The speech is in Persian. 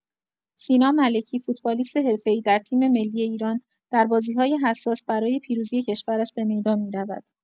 سینا ملکی، فوتبالیست حرفه‌ای در تیم‌ملی ایران، در بازی‌های حساس برای پیروزی کشورش به میدان می‌رود.